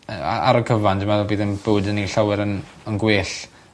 Yy a- ar y cyfan dwi meddwl bydd 'yn bywyde ni'n llawer yn yn gwell.